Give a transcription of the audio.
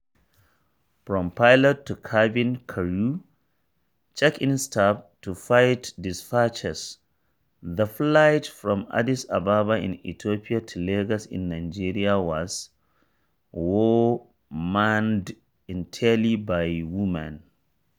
From pilots to cabin crew, check-in staff to flight dispatchers, the flight — from Addis Ababa in Ethiopia to Lagos in Nigeria — was (wo)manned entirely by women.